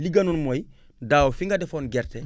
li gënoon mooy daaw fi nga defoon gerte